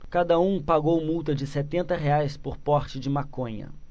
cada um pagou multa de setenta reais por porte de maconha